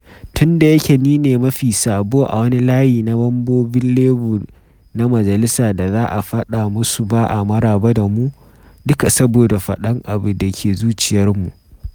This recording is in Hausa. Tun da yake, ni ne mafi sabo a wani layi na mambobin Labour na majalisa da za a faɗa musu ba a maraba da mu - dukka saboda faɗan abi da ke zuciyarmu.